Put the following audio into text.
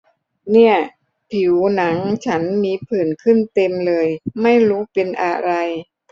เนี่ยผิวหนังฉันมีผื่นขึ้นเต็มเลยไม่รู้เป็นอะไร